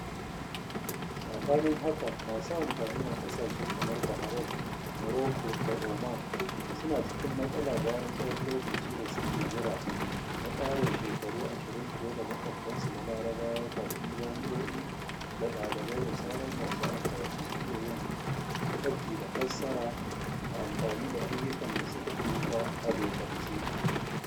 Saɓanin haka, masu amfani a ƙasashe kamar Bahrain, Morocco, da Oman suna cikin matsala bayan tsawon lokacin da suke jira na ƙarin shekaru 20 fiye da maƙwabtansu na Larabawa kafin jami’o’i da ɗalibai da sauran masu amfani su iya yin kwafi da fassara da amfani da ayyukan da suka tsufa a dokance.